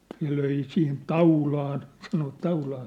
ne löi siihen taulaan sanoivat taulaan